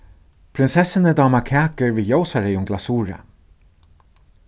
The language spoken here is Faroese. prinsessuni dámar kakur við ljósareyðum glasuri